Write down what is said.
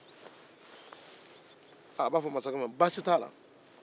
a b'a fɔ masakɛ ma baasi t'a la